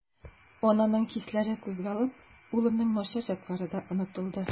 Ананың хисләре кузгалып, улының начар яклары да онытылды.